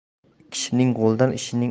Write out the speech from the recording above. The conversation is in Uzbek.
kishining qo'lidan ishini